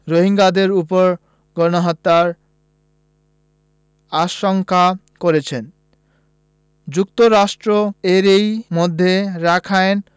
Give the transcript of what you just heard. রোহিঙ্গাদের ওপর গণহত্যার আশঙ্কা করেছেন যুক্তরাষ্ট্র এরই মধ্যে রাখাইনে